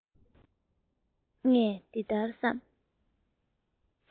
ངས འདི ལྟར བསམ